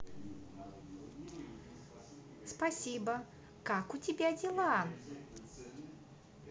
спасибо как у тебя дела